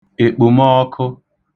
èkpòmọọkụ